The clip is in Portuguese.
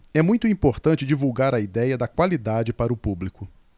é muito importante divulgar a idéia da qualidade para o público